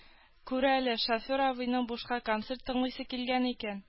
Күр әле, шофер абыйның бушка концерт тыңлыйсы килгән икән